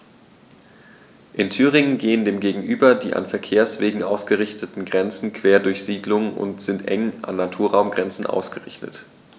In Thüringen gehen dem gegenüber die an Verkehrswegen ausgerichteten Grenzen quer durch Siedlungen und sind eng an Naturraumgrenzen ausgerichtet.